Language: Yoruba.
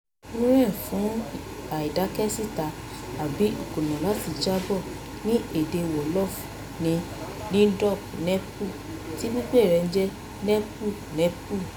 Wúnrẹ̀n fún "àìkédesíta" àbí "ìkùnà láti jábọ̀" ní èdè Wolof ní ndeup neupal (tí pípè rẹ̀ jẹ́ "n-puh n-puh").